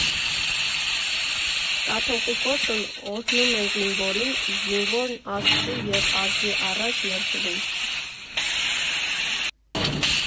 Կաթողիկոսն օրհնում է զինվորին, իսկ զինվորն Աստծու և ազգի առաջ՝ երդվում։